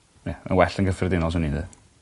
Ia mae well yn gyffredinol swn i ddeu.